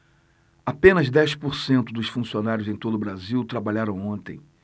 apenas dez por cento dos funcionários em todo brasil trabalharam ontem